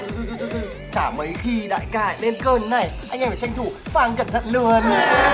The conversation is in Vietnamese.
thôi thôi thôi thôi chả mấy khi đại ca lại lên cơn thế này anh em phải tranh thủ phang cẩn thận luôn